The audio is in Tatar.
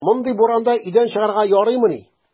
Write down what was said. Мондый буранда өйдән чыгарга ярыймыни!